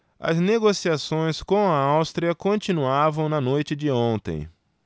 as negociações com a áustria continuavam na noite de ontem